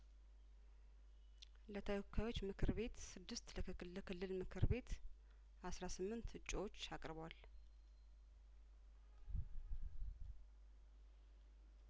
ለተወካዮች ምክር ቤት ስድስት ለክልልምክር ቤት አስራ ስምንት እጩዎች አቅርቧል